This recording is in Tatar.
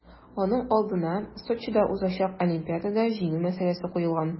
Аның алдына Сочида узачак Олимпиадада җиңү мәсьәләсе куелган.